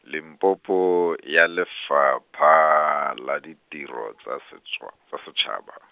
Limpopo ya Lefapha, la Ditiro tsa Setswa-, tsa Setshaba.